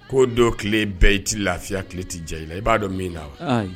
Ko don kile bɛɛ i ti lafiya . Wa kile ti ja i la fɛnɛ ba dɔn min dona wa?